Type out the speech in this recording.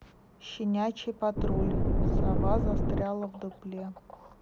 щенячий патруль сова застряла в дупле